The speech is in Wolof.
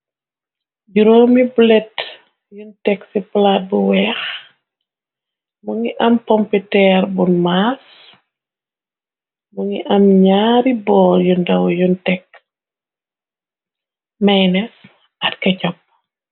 Juroomi bulet yun tek ci palaat bu weex mu ngi am pompiteer bun maas mu ngi am ñaari bool yu ndaw yuntekk maynes ak kecopp.